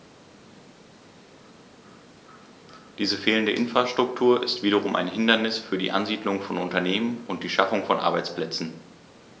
Diese fehlende Infrastruktur ist wiederum ein Hindernis für die Ansiedlung von Unternehmen und die Schaffung von Arbeitsplätzen.